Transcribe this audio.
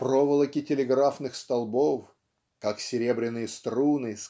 проволоки телеграфных столбов "как серебряные струны